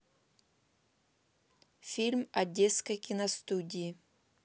фильмы одесской киностудии